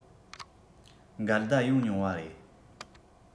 འགལ ཟླ ཡོང མྱོང བ རེད